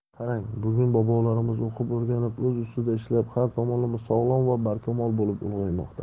qarang bugun bolalarimiz o'qib o'rganib o'z ustida ishlab har tomonlama sog'lom va barkamol bo'lib ulg'aymoqda